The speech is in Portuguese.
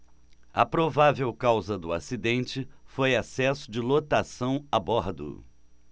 a provável causa do acidente foi excesso de lotação a bordo